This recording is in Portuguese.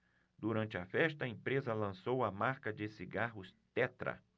durante a festa a empresa lançou a marca de cigarros tetra